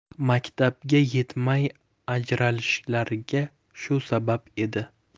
maktabga yetmay ajralishlariga shu sabab edi